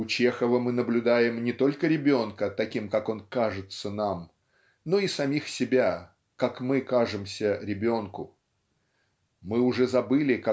У Чехова мы наблюдаем не только ребенка таким как он кажется нам но и самих себя как мы кажемся ребенку. Мы уже забыли